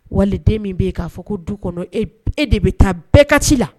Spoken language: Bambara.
Wali den min bɛ yen k'a fɔ ko du kɔnɔ e de bɛ taa bɛɛ ka ci la